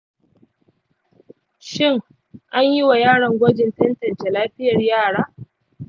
shin anyi wa yaron gwajin tantance lafiyar yara?